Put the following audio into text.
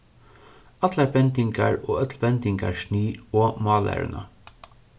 allar bendingar og øll bendingarsnið og mállæruna